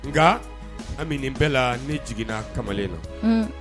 Nka an minɛ bɛ la ne jiginna kamalen na